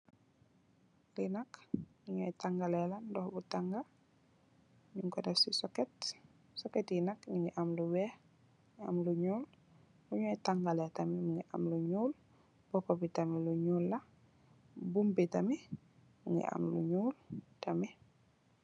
Bi nak lun nyu tangale ndubu tankga nyu ko def si sockets. socket nak mu gi am lu weyh am lu nul lu nyu tangale tamit munge am lu nul bopabi tamit munge ameh lu nul la bun bi tamit lu nul la.